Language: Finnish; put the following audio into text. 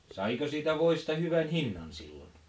saiko siitä voista hyvän hinnan silloin